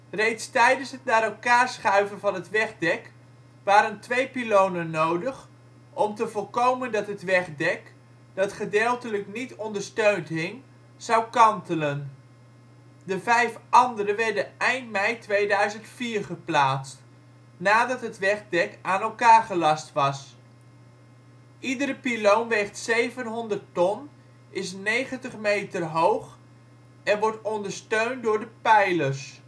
Reeds tijdens het naar elkaar schuiven van het wegdek waren twee pylonen nodig, om te voorkomen dat het wegdek (dat gedeeltelijk niet ondersteund hing) zou kantelen. De vijf andere werden eind mei 2004 geplaatst, nadat het wegdek aan elkaar gelast was. Iedere pyloon weegt 700 ton, is 90 meter hoog en wordt ondersteund door de pijlers